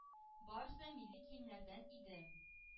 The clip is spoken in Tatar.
Барысы да милли киемнәрдән иде.